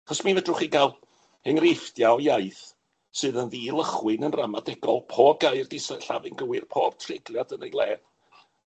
'Chos mi fedrwch chi ga'l enghreifftia' o iaith sydd yn ddi-lychwyn yn ramadegol, pob gair 'di sillafu'n gywir, pob treigliad yn ei le.